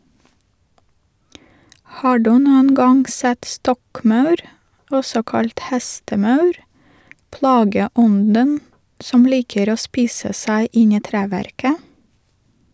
Har du noen gang sett stokkmaur, også kalt hestemaur, plageånden som liker å spise seg inn i treverket?